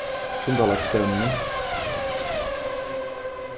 sundalagsstevnuni